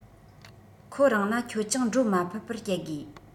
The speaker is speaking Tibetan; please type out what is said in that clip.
ཁོ རང ན ཁྱོད ཀྱང འགྲོ མ ཕོད པར བསྐྱལ དགོས